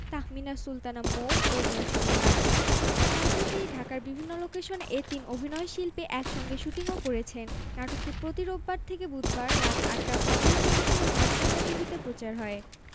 Ittefaq desk হতে সংগৃহীত প্রকাশের সময় ২৫মার্চ ২০১৮ ১ টা ৩৬ মিনিট সূত্র রয়টার্স